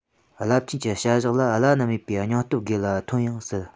རླབས ཆེན གྱི བྱ གཞག ལ བླ ན མེད པའི སྙིང སྟོབས དགོས ལ ཐོན ཡང སྲིད